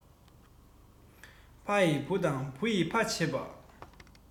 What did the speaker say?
ཕ ཡིས བུ དང བུ ཡིས ཕ བྱེད པ